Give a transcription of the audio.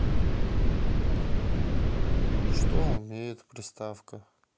что умеет приставка